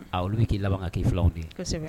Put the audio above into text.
A olu b' k'i laban kan k'i fulaw ye